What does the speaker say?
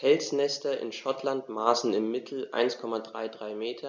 Felsnester in Schottland maßen im Mittel 1,33 m x